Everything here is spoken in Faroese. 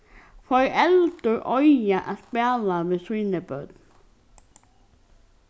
foreldur eiga at spæla við síni børn